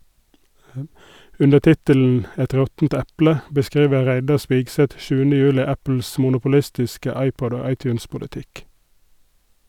Under tittelen "Et råttent eple" beskriver Reidar Spigseth 7. juli Apples monopolistiske iPod- og iTunes-politikk.